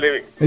sarta lemi